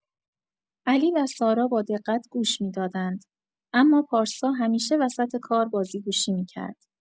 علی و سارا با دقت گوش می‌دادند، اما پارسا همیشه وسط کار بازیگوشی می‌کرد.